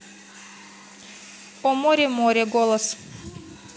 о море море голос